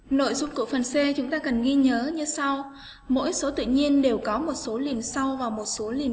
nội dung của phần c chúng ta cần ghi nhớ như sau mỗi số tự nhiên đều có một số liền sau và một số lẻ